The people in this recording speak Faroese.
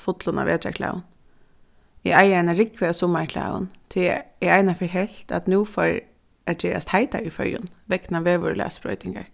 fullum av vetrarklæðum eg eigi eina rúgvu av summarklæðum tí eg einaferð helt at nú fór at gerast heitari í føroyum vegna veðurlagsbroytingar